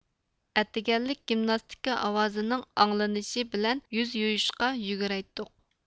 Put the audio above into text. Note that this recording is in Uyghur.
ئەتىگەنلىك گىمناستىكا ئاۋازىنىڭ ئاڭلىنىشى بىلەن يۈز يۇيۇشقا يۈگرەيتتۇق